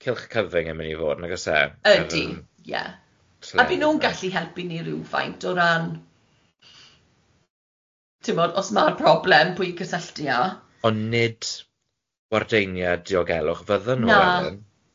Cylchcyfing yn mynd i fod yn nagoes e? Ydi, ie. A bu nhw'n gallu helpu ni rhywfaint o ran timod os ma' problem pwy i gysylltu a. Ond nid wardeinied diolgelwch fydde nhw ?